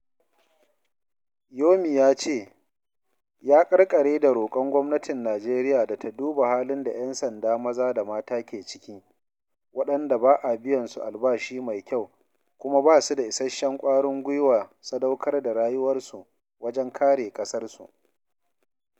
Yomi yace: ya ƙarƙare da roƙon gwamnatin Najeriya da ta duba halin da ‘yan sanda maza da mata ke ciki, waɗanda ba a biyan su albashi mai kyau kuma ba su da isasshen ƙwarin gwiwa sadaukar da rayuwarsu wajen kare ƙasarsu.